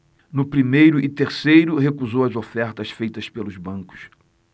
no primeiro e terceiro recusou as ofertas feitas pelos bancos